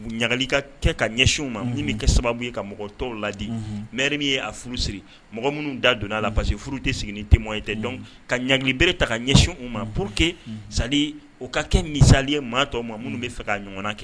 Ɲagali ka kɛ ka ɲɛsinw ma min bɛ kɛ sababu ye ka mɔgɔ tɔw ladi maire min ye a furu siri mɔgɔ minnu da donna a la parce que furu tɛ siri ni témoins tɛ donc ka ɲagili bere ta ka ɲɛsin u ma pour que c’est à dire u ka kɛ misali ye maa tɔw ma minnu bɛ fɛ ka' ɲɔgɔn na kɛ.